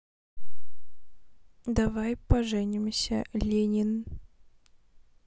давай поженимся ленин